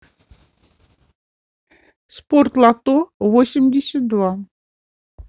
спорт лото восемьдесят два